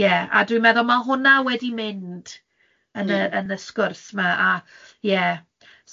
Ie, a dwi'n meddwl ma' hwnna wedi mynd yn y yn y sgwrs yma, a ie.